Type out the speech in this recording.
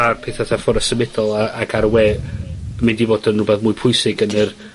ar peth fatha ffona symudol a ac ar y we mynd i fod yn rwbeth mwy pwysig yn yr